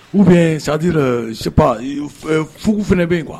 Ou bien c'est à dire sait pas fougue fana bɛ yen quoi